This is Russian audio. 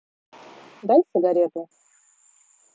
дай сигарету